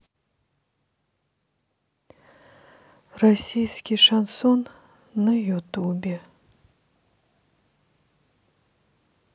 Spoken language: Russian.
российский шансон на ютубе